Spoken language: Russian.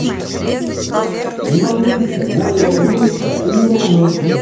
не волнуйся море волнуется а ты не волнуйся